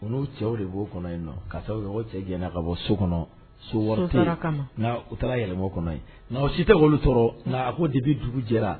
U n' cɛ de b'o kɔnɔ in nɔ karisa cɛ gɛnna ka bɔ so kɔnɔ so wɔɔrɔ kama nka u taara yɛlɛma kɔnɔ nka o si tɛ wolo sɔrɔ nka a ko de bɛ dugu jɛra